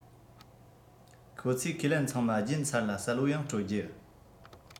ཁོ ཚོས ཁས ལེན ཚང མ སྦྱིན ཚར ལ གསལ པོ ཡང སྤྲོད རྒྱུ